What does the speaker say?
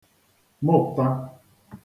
mụ̀pta